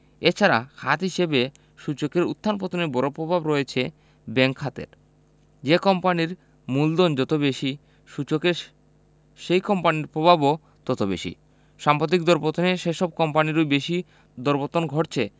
এ ছাড়া খাত হিসেবে সূচকের উত্থান পতনে বড় প্রভাব রয়েছে ব্যাংক খাতের যে কোম্পানির মূলধন যত বেশি সূচকে সেই কোম্পানির প্রভাবও তত বেশি সাম্প্রতিক দরপতনে সেসব কোম্পানিরই বেশি দরপতন ঘটছে